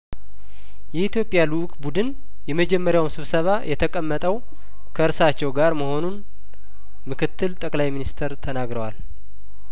የኢትዮጵያ ልኡክ ቡድን የመጀመሪያው ስብሰባ የተቀመጠው ከእርሳቸው ጋር መሆኑንምክትል ጠቅላይሚን ስተሩ ተናግረዋል